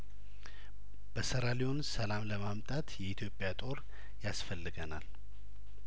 በሰራሊዮን ሰላም ለማምጣት የኢትዮጵያ ጦር ያስፈልገናል